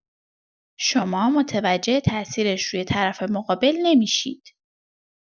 شما متوجه تاثیرش روی طرف مقابل نمی‌شید.